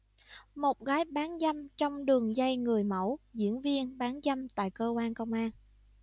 một gái bán dâm trong đường dây người mấu diễn viên bán dâm tại cơ quan công an